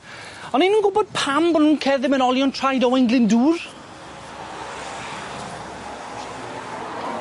O'n 'im yn gwbod pam bo' nw'n cerded mewn olion traed Owain Glyndŵr.